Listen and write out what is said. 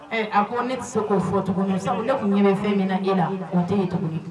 Ee a ko ne tɛ se k'o fɔ cogo sabu ne tun yemɛ fɛn min na e la o tɛ ye ye